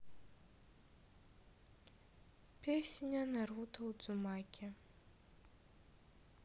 песня наруто удзумаки